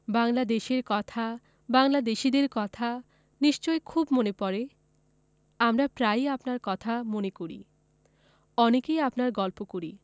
বাংলাদেশের কথা বাংলাদেশীদের কথা নিশ্চয় খুব মনে পরে আমরা প্রায়ই আপনার কথা মনে করি অনেকেই আপনার গল্প করি